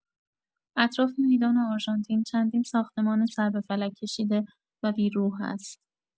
اطراف میدان آرژانتین چندین ساختمان سر به فلک کشیده و بی‌روح هست.